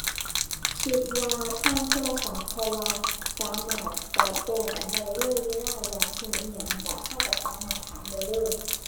คิดว่าทางโทรศัพท์ เพราะว่าสามารถตอบโต้กันได้เลยเวลาอยากรู้อิหยังรู้ รู้รู้สามารถถามได้เลย